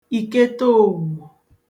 ìketeòwù